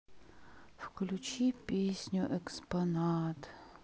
включи песню экспонат